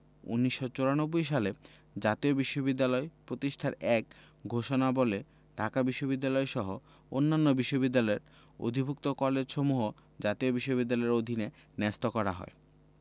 ১৯৯৪ সালে জাতীয় বিশ্ববিদ্যালয় প্রতিষ্ঠার এক ঘোষণাবলে ঢাকা বিশ্ববিদ্যালয়সহ অন্যান্য বিশ্ববিদ্যালয়ের অধিভুক্ত কলেজসমূহ জাতীয় বিশ্ববিদ্যালয়ের অধীনে ন্যস্ত করা হয়